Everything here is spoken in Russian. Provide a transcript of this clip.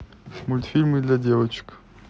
мультфильмы для девочек